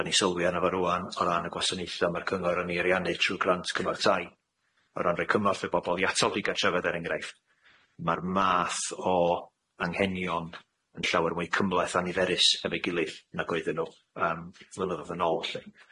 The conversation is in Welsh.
'Dan ni sylwi arno fo rŵan o ran y gwasanaethe ma'r cyngor yn ei ariannu trw grant cymorth tai o ran roi cymorth i bobol i atal di-gartrefedd er enghraifft ma'r math o anghenion yn llawer mwy cymhleth a niferus efo'i gilydd nag oedden nw yym flynyddodd yn ôl lly.